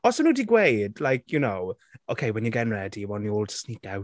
Os o'n nhw 'di gweud, like, you know, "Ok when you're getting ready, I want you all to sneak out."